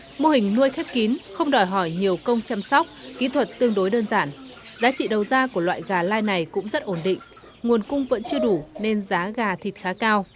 mô hình nuôi khép kín không đòi hỏi nhiều công chăm sóc kỹ thuật tương đối đơn giản giá trị đầu ra của loại gà lai này cũng rất ổn định nguồn cung vẫn chưa đủ nên giá gà thịt khá cao